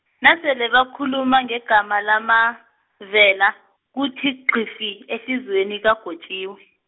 nasele bakhuluma ngegama lakaMavela, kuthi qhifi ehliziyweni kaGotjiwe.